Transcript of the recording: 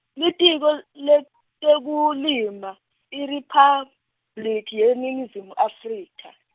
Litiko l-, leTekulima IRiphabliki yeNingizimu Afrika.